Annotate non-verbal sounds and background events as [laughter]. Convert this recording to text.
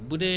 [hesitation] [hesitation]